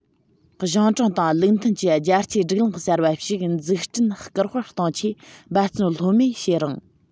གཞུང དྲང དང ལུགས མཐུན གྱི རྒྱལ སྤྱིའི སྒྲིག ལམ གསར པ ཞིག འཛུགས རྒྱུར སྐུལ འདེད གཏོང ཆེད འབད བརྩོན ལྷོད མེད བྱེད རིང